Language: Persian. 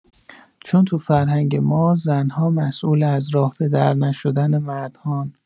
چون تو فرهنگ ما زن‌ها مسئول از راه به در نشدن مردهان.